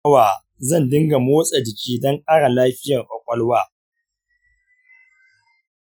kamar sau nawa zan dinga motsa jiki don ƙara lafiyar ƙwaƙwalwa?